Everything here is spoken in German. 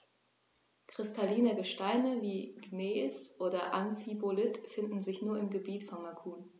Kristalline Gesteine wie Gneis oder Amphibolit finden sich nur im Gebiet von Macun.